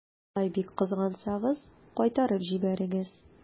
Алай бик кызгансагыз, кайтарып җибәрегез.